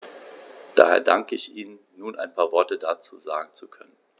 Daher danke ich Ihnen, nun ein paar Worte dazu sagen zu können.